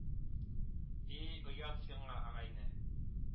И-и, оят сиңа, агай-эне